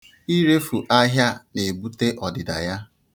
Irefu ahịa na-ebute ọdịda ya.